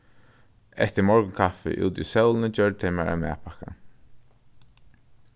eftir morgunkaffi úti í sólini gjørdu tey mær ein matpakka